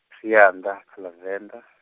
Tsianda, khala Venḓa.